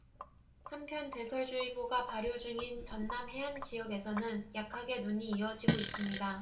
한편 대설주의보가 발효 중인 전남 해안 지역에서는 약하게 눈이 이어지고 있습니다